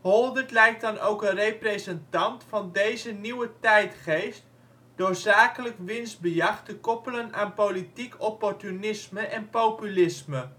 Holdert lijkt dan ook een representant van deze nieuwe tijdgeest door zakelijk winstbejag te koppelen aan politiek opportunisme en populisme